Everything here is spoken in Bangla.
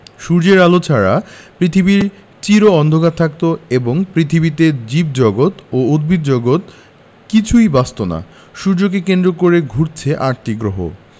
সূর্যের আলো ছাড়া পৃথিবী চির অন্ধকার থাকত এবং পৃথিবীতে জীবজগত ও উদ্ভিদজগৎ কিছুই বাঁচত না সূর্যকে কেন্দ্র করে ঘুরছে আটটি গ্রহ